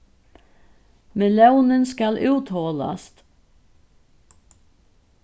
melónin skal útholast